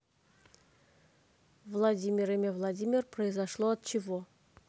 владимир имя владимир произошло от чего